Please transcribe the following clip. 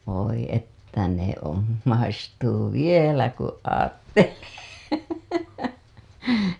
voi että ne on maistuu vielä kun ajattelee